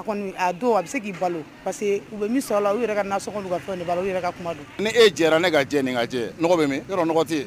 Don a bɛ se k'i balo parce que u bɛ misi sɔrɔ la u yɛrɛ ka so ka fɛn balo ka kuma ni ee jɛra ne ka jɛ nin ka jɛ nɔgɔɔgɔ tɛ